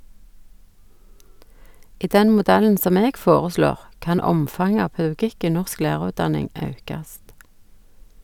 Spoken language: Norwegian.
I den modellen som eg foreslår, kan omfanget av pedagogikk i norsk lærarutdanning aukast.